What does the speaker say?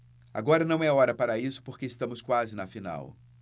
agora não é hora para isso porque estamos quase na final